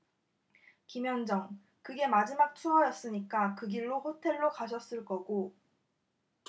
김현정 그게 마지막 투어였으니까 그 길로 호텔로 가셨을 거고